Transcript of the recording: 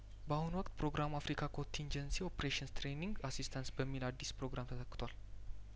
በአሁኑ ወቅት ፕሮግራሙ አፍሪካ ኮንቲን ጀን ሲኦፕሬሽን ስትሬ ኒንግ አሲ ስታንስ በሚል አዲስ ፕሮግራም ተተክቷል